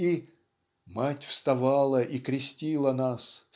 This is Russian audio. И "мать вставала и крестила нас